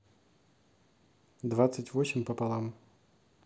двадцать восемь пополам